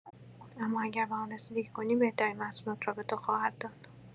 اما اگر به آن رسیدگی کنی، بهترین محصولات را به تو خواهد داد.